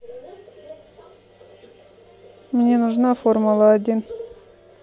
мне нужна формула один